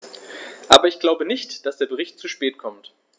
Aber ich glaube nicht, dass der Bericht zu spät kommt.